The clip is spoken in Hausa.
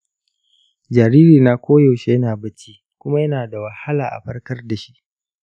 jaririna koyaushe yana bacci, kuma yana da wahala a farkar da shi.